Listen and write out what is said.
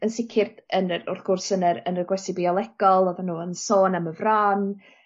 Yn sicir yn yr wrth gwrs yn yr yn y gwersi biolegol oddan n'w yn sôn am y fron.